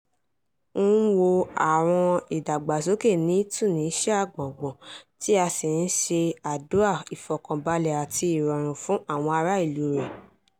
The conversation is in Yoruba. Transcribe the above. Ń wo àwọn ìdàgbàsókè ní #Tunisia gbọ̀ngbọ̀n tí a sì ń ṣe àdúà ìfọ̀kànbalẹ̀ àti ìrọ̀rùn fún àwọn ará-ìlú rẹ̀.